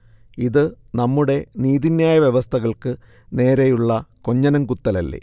ഇത് നമ്മുടെ നീതിന്യായ വ്യവസ്ഥകൾക്ക് നേരെയുള്ള കൊഞ്ഞനം കുത്തലല്ലേ